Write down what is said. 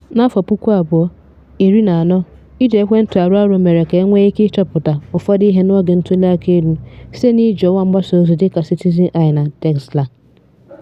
N'afọ 2014, iji ekwentị arụ ọrụ mere ka e nwee ike chọpụta ụfọdụ ihe n'oge ntuliaka elu site n'iji ọwa mgbasa ozi dịka Citizen's Eye na Txeka-lá.